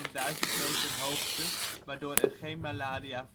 De stad ligt op zo 'n 1000 meter hoogte, waardoor er geen malaria voorkomt